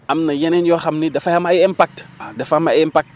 am na yeneen yoo xam ni dafa am ay impact waaw dafa am ay impact